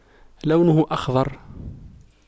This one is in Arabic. لونه أخضر